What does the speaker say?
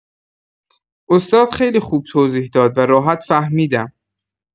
استاد خیلی خوب توضیح داد و راحت فهمیدم